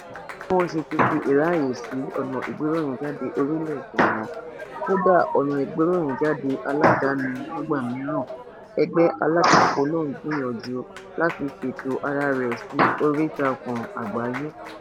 Bí wọ́n ṣe ti fi ìráàyèsí ọ̀nà ìgbéròyìnjáde orílẹ̀ dùn ún, kódà ọ̀nà ìgbéròyìnjáde aládàáni nígbà mìíràn, ẹgbẹ́ alátakò náà ń gbìyànjú láti ṣètò ara rẹ̀ sí oríìtakùn àgbáyé.